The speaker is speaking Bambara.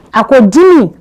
A ko dimi